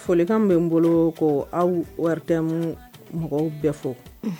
Folilikan bɛ n bolo ko aw wari mɔgɔw bɛ fɔ